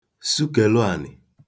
sukèlụ ànị̀